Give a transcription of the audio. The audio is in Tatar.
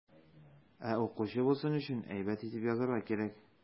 Ә укучы булсын өчен, әйбәт итеп язарга кирәк.